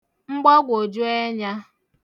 mgbagwòju ẹnyā